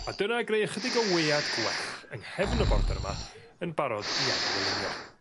A dyna greu ychydig o waead gwell yng nghefn y border yma yn barod i ail ddylunio.